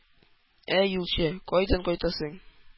— әй, юлчы, кайдан кайтасың?